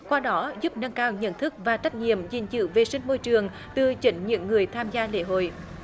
qua đó giúp nâng cao nhận thức và trách nhiệm gìn giữ vệ sinh môi trường từ chính những người tham gia lễ hội